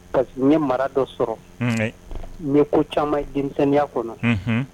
N ye mara dɔ sɔrɔ ye ko caman denmisɛnninya kɔnɔ